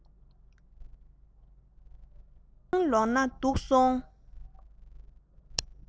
མགོ རྟིང ལོག ན སྡུག སོང